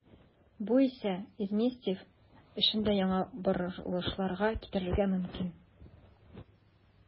Бу исә Изместьев эшендә яңа борылышларга китерергә мөмкин.